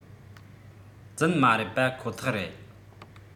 རྫུན མ རེད པ ཁོ ཐག རེད